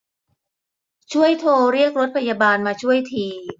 ช่วยโทรเรียกรถพยาบาลมาช่วยที